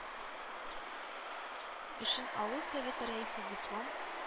Өчен авыл советы рәисе диплом